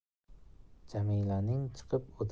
jamilaning chiqib o'tirganini